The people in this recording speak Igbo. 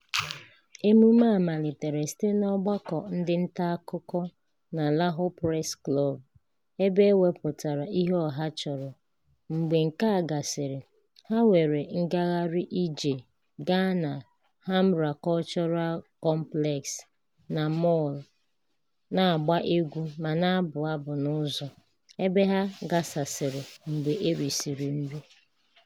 Emume a malitere site n'Ọgbakọ ndị Ntaakụkọ na Lahore Press Club ebe e wepụtara ihe ọha chọrọ; mgbe nke ahụ gasịrị, ha were ngagharị ije gaa n'Al Hamra Cultural Complex na Mall na-agba egwu ma na-abụ abụ n'ụzọ, ebe ha gbasasịrị mgbe e rịsịrị nri.